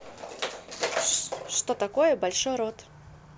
что такое большой рот